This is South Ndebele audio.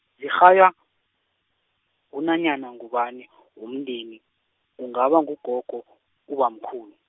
zirhaywa, ngunanyana ngubani , womndeni, kungaba ngugogo , ubamkhulu.